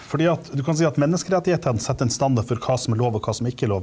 fordi at du kan si at menneskerettighetene setter en standard for hva som er lov og hva som ikke er lov.